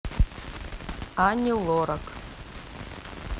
ани лорак